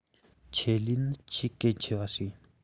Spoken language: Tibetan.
ཆེད ལས ནི ཆེས གལ ཆེ བ ཡིན